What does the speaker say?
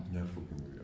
ñaar fukki million